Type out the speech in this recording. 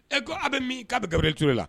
E ko a' bɛ min? k'a bɛ Gabiriyɛli Ture la